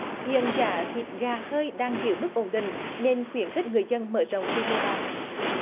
hiện giá thịt gà hơi đang giữ mức ổn định nên khuyến khích người dân mở rộng quy mô đàn